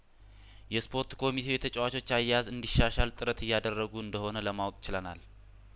የስፖርት ኮሚቴው የተጫዋቾች አያያዝ እንዲ ሻሻል ጥረት እያደረጉ እንደሆነ ለማወቅ ችለናል